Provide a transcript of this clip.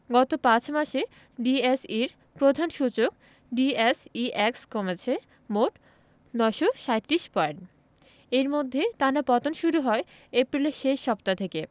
গত ৫ মাসে ডিএসইর প্রধান সূচক ডিএসইএক্স কমেছে মোট ৯৩৭ পয়েন্ট এর মধ্যে টানা পতন শুরু হয় এপ্রিলের শেষ সপ্তাহ থেকে